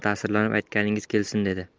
tasirlanib aytganingiz kelsin dedi